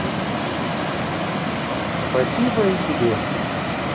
спасибо и тебе